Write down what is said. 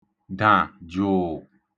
dà jụ̀ụ̀